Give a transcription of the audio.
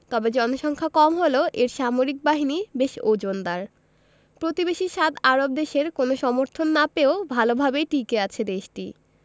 তবে জনসংখ্যা কম হলেও এর সামরিক বাহিনী বেশ ওজনদার প্রতিবেশী সাত আরব দেশের কোনো সমর্থন না পেয়েও ভালোভাবেই টিকে আছে দেশটি